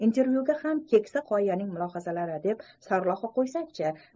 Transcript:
interv'yuga ham keksa qoyaning mulohazalari deb sarlavha qo'ysak chi